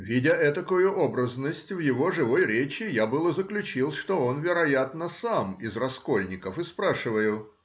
Видя этакую образность в его живой речи, я было заключил, что он, вероятно, сам из раскольников, и спрашиваю